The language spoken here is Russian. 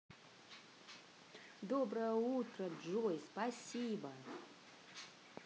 доброе утро джой спасибо